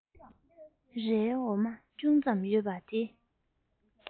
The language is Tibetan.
རའི འོ མ ཅུང ཙམ ཡོད པ དེ